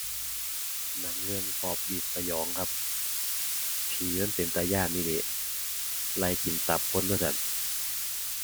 หนังเรื่องปอบ หวีด สยองครับ ผีมันเป็นตาย้านอีหลี ไล่กินตับคนว่าซั้น